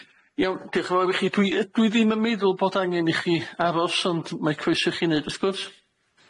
Iawn, diolch yn fawr i chi. Dwi yy dwi ddim yn meddwl bod angen i chi aros ond mae croeso i chi neud wrth gwrs.